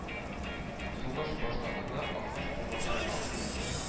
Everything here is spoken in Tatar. Сугыш башланганда, акыш бу мәхшәрне